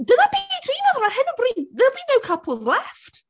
Dyna be fi dwi'n meddwl, ar hyn o bryd there'll be no couples left.